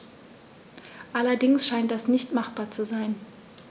Allerdings scheint das nicht machbar zu sein.